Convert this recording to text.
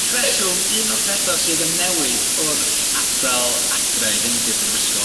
wrth reswm un o'r petha' sydd yn newid wrth ada'l adre i fynd i'r brifysgol yn